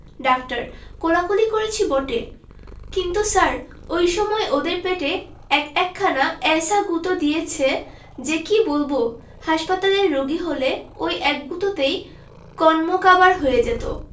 doctor কোলাকুলি করেছি বটে কিন্তু স্যার ঐ সময় ওদের পেটে এক একখানা এ্যায়সা গুঁতো দিয়েছে যে কি বলব হাসপাতালের রোগী হলে ঐ এক গুঁতোতেই কন্মকাবার হয়ে যেত